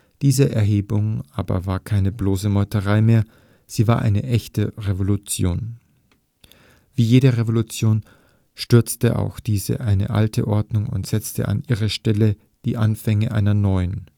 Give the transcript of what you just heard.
Diese Erhebung aber war keine bloße Meuterei mehr, sie war eine echte Revolution. (…) Wie jede Revolution stürzte auch diese eine alte Ordnung und setzte an ihre Stelle die Anfänge einer neuen